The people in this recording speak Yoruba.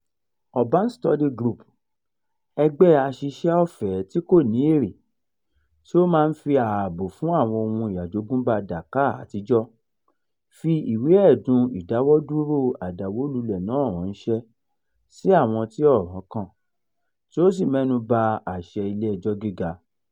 Urban Study Group, ẹgbẹ́ aṣiṣẹ́ ọ̀fẹ́-tí-kò-ní-èrè tí ó máa ń fi ààbò fún àwọn ohun àjogúnbá Dhaka Àtijọ́ fi ìwé ẹ̀dùn ìdáwọ́dúróo àdàwólulẹ̀ náà ránṣẹ́ sí àwọn tí ọ̀rán kàn, tí ó sì mẹ́nu ba àṣẹ Ilé-ẹjọ́ Gíga.